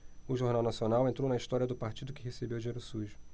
o jornal nacional entrou na história do partido que recebeu dinheiro sujo